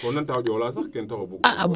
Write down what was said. ko nan taa o Diola sax ten taxu o bug